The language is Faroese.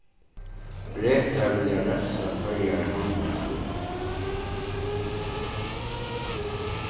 bretar vilja revsa føroyar handilsliga